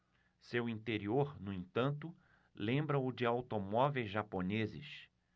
seu interior no entanto lembra o de automóveis japoneses